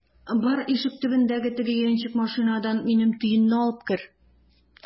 Бар, ишек төбендәге теге яньчек машинадан минем төенне алып кер!